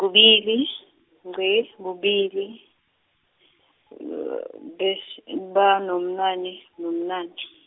kubili, ngqi, kubili, be- and ba- nobunane, nobunane.